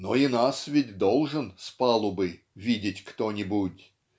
Но и нас ведь должен с палубы Видеть кто-нибудь